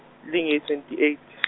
linge- twenty eight .